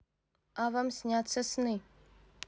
а вам снятся сны